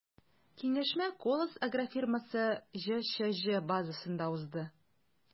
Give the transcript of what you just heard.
Киңәшмә “Колос” агрофирмасы” ҖЧҖ базасында узды.